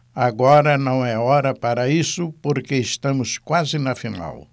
agora não é hora para isso porque estamos quase na final